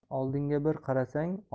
oldingga bir qarasang